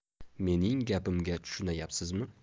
mening gapimga tushunayapsizmi